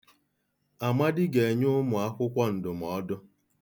Amadi ga-enye ụmụ akwụkwọ ndụmọọdụ.